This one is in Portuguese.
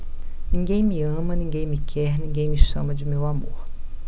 ninguém me ama ninguém me quer ninguém me chama de meu amor